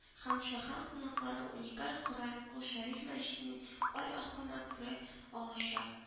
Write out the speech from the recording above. Һәм шәһәр кунаклары уникаль коръән кол шәриф мәчетенең ай ахырына күрә алачак